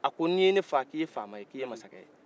a ko nin ye ne faa k'i faama ye k'i ye masakɛ ye